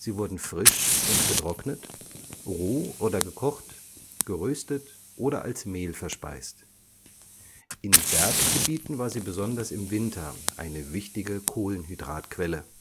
wurden frisch und getrocknet, roh oder gekocht, geröstet oder als Mehl verspeist. In Berggebieten war sie besonders im Winter eine wichtige Kohlenhydratquelle